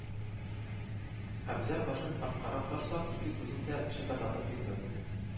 Әбүзәр, башын арткарак ташлап, ике күзен дә чытырдатып йомды